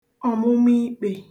ọ̀mụmikpē